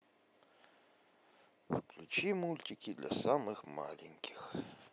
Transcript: включи мультики для самых маленьких